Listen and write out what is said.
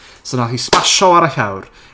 So wnaeth hi smasio ar y llawr.